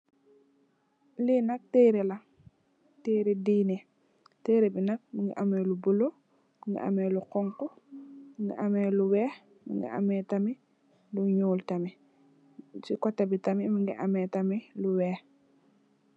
Li nak teere la teere dine ame lu xonku ame lu bolla ameh lu weex mu ngi amée tamit lu nyul ci cote bi tamit mu ngi amée lu weex.